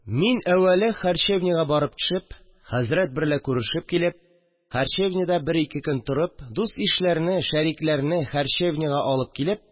Мин, әүвәле харчевнягә барып төшеп, хәзрәт берлә күрешеп килеп, харчевнядә бер-ике көн торып, дус-ишләрне, шәрикләрне харчевнягә алып килеп